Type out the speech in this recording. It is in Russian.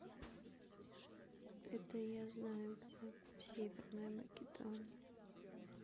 это я знаю где северная македония